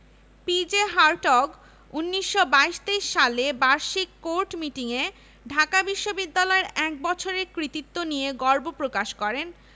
affiliation ও তত্ত্বাবধানের ভার এ বিশ্ববিদ্যালয়ের ওপর ন্যস্ত হয় পূর্ব পাকিস্তান সরকার অফিস ও অন্যান্য দাপ্তরিক কাজে বিশ্ববিদ্যালয়ের কয়েকটি বাড়ি দখল করে নেয়